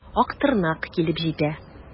Актырнак килеп җитә.